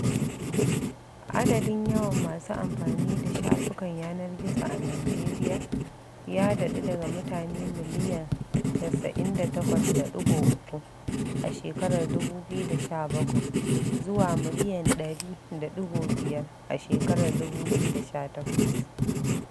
Adadin yawan masu amfani da shafukan yanar gizo a Nijeriya ya daɗu daga mutane million 98.3 a shekarar 2017 zuwa mutane miliyan 100.5 a shekarar 2018.